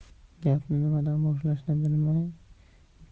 gapni nimadan boshlashni